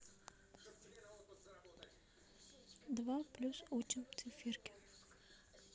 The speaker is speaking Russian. два плюс учим циферки